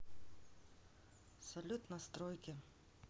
салют настройки